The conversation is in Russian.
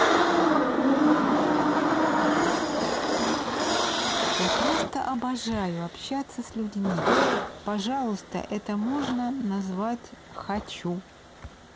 я просто обожаю общаться с людьми пожалуйста это можно назвать хочу